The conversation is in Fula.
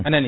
anani